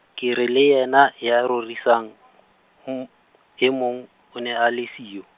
ke re le yena ya rorisang, hng- e mong, o ne a le siyo.